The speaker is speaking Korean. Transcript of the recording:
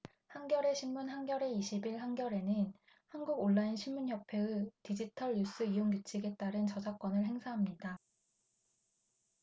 한겨레신문 한겨레 이십 일 한겨레는 한국온라인신문협회의 디지털뉴스이용규칙에 따른 저작권을 행사합니다